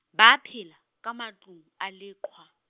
ba phela, ka matlung a leqhwa.